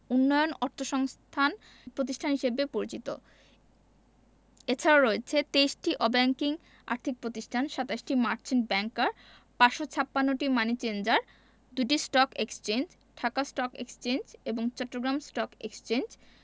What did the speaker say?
উন্নয়ন অর্থসংস্থান প্রতিষ্ঠান হিসেবে পরিচিত এছাড়াও রয়েছে ২৩টি অব্যাংকিং আর্থিক প্রতিষ্ঠান ২৭টি মার্চেন্ট ব্যাংকার ৫৫৬টি মানি চেঞ্জার ২টি stock exchange Dhaka stock exchange এবং চট্টগ্রাম স্টক এক্সচেঞ্জ